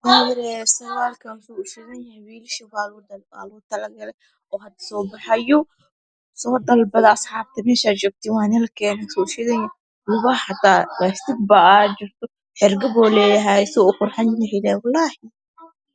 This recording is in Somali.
Waa wareey surwalkaan suu ushidanyahay wliishabaa lagu talagalay oo hada soobaxayo soo dalpada asxapta meshaa jogtiin waa ninlakeenaa suu ushidanyahay lugaha xitaa lastiig baa aga jirto xirgabuu leeyahy suu uqurxan yahay lee walahi